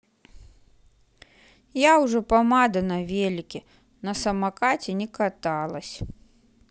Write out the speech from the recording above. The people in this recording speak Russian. я уже помада на велике на самокате не каталась